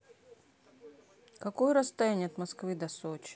какое расстояние от москвы до сочи